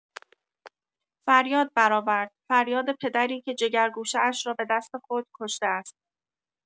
فریاد برآورد، فریاد پدری که جگرگوشه‌اش را به دست خود کشته است.